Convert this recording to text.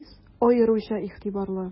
Харис аеруча игътибарлы.